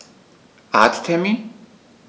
Arzttermin